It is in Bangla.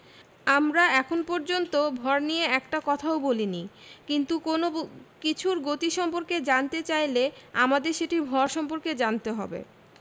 আমরা এখন পর্যন্ত ভর নিয়ে একটি কথাও বলিনি কিন্তু কোনো কিছুর গতি সম্পর্কে জানতে চাইলে আমাদের সেটির ভর সম্পর্কে জানতে হয়